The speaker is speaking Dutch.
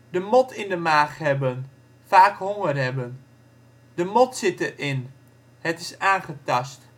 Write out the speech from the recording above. De mot in de maag hebben - vaak honger hebben. De mot zit erin - het is aangetast